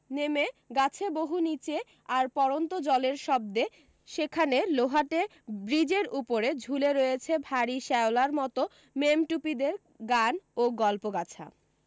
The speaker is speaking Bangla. নেমে গাছে বহু নীচে আর পড়ন্ত জলের শব্দে সেখানে লোহাটে ব্রীজের উপরে ঝুলে রয়েছে ভারী শ্যাওলার মতো মেমটুপিদের গান ও গল্পগাছা